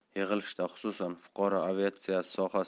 yig'ilishda xususan fuqaro aviatsiyasi